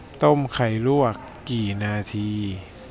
ต้มไข่ลวกกี่นาที